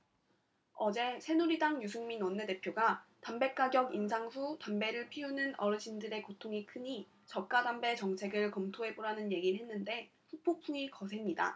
어제 새누리당 유승민 원내대표가 담배가격 인상 후 담배를 피우는 어르신들의 고통이 크니 저가담배 정책을 검토해보라는 얘길 했는데 후폭풍이 거셉니다